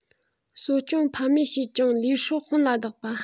གསོ སྐྱོང ཕ མས བྱས ཀྱང ལུས སྲོག དཔོན ལ བདག པ